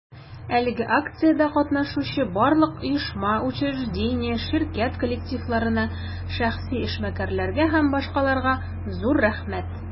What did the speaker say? Әлеге акциядә катнашучы барлык оешма, учреждение, ширкәт коллективларына, шәхси эшмәкәрләргә һ.б. зур рәхмәт!